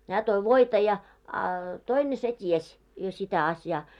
hän toi voita ja a toinen se tiesi jo sitä asiaa